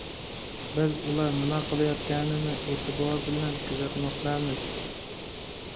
biz ular nima qilayotganini e'tibor bilan kuzatmoqdamiz